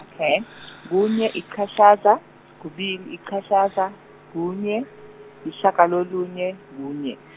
ok , kunye ichashaza, kubili ichashaza, kunye, ishagalolunye, kunye.